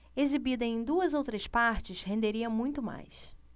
exibida em duas ou três partes renderia muito mais